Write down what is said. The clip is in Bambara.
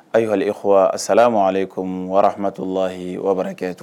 Ayihɔ sa ma ale ko warahatu lahi warakɛ to